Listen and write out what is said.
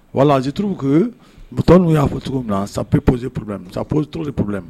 Wazuruku bitɔn n'u y'a fɔ cogo min na sa polisi sa pur purlɛ